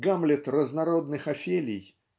Гамлет разнородных Офелий